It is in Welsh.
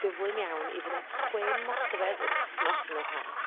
gyflym iawn i fyny at chwe modfedd yr wthnos yn yr Ha.